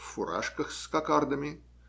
в фуражках с кокардами.